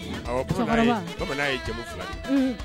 Awɔ cɛkɔrɔba bamanan ye bamanan ye jamu 2 de ye